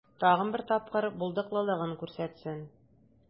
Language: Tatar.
Тагын бер тапкыр булдыклылыгын күрсәтсен.